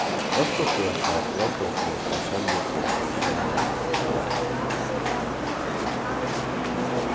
børkugøta brobbersgøta sóljugøta smærugøta mækjugøta